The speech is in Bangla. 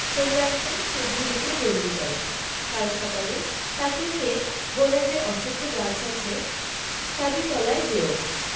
তোমরা এখন সেই ঢুলিকে বন্দী কর কাল সকালে তাকে নিয়ে বনে যে অশ্বখ গাছ আছে তারই তলায় যেও